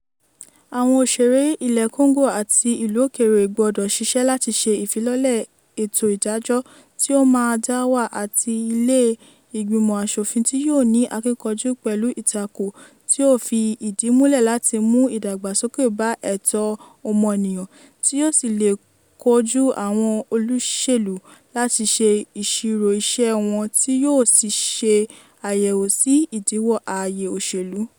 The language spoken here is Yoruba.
Àwọn ọ̀ṣèré ilẹ̀ Congo àti ìlú òkèèrè gbọ́dọ̀ ṣiṣẹ́ láti ṣe ìfilọ́lẹ̀ ètò ìdájọ́ tí ó máa dá wà àti ilé ìgbìmọ̀ aṣòfin tí yóò ní akíkanjú pẹ̀lú ìtakò tí ó fi ìdí múlẹ̀ láti mú ìdàgbàsókè bá ẹ̀tọ́ ọmọnìyàn, tí yóò sì lè kojú àwọn olùṣèlú láti ṣe ìṣirò iṣẹ́ wọn tí yóò sì ṣe àyẹ̀wò sí ìdíwọ́ ààyè òṣèlú.